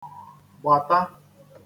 -gbàta